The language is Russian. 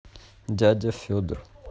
дядя федор